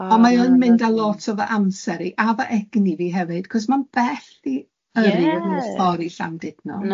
O ond mae o'n mynd â lot o fy amser i a fy egni fi hefyd cos ma'n bell i yrru... Ie. ....y ffordd i Llandudno.